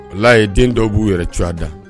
N'a ye den dɔw b'u yɛrɛ cogoya da